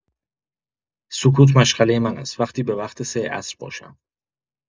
سکوت مشغلۀ من است وقتی به وقت سه عصر باشم.